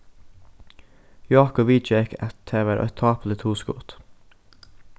jákup viðgekk at tað var eitt tápuligt hugskot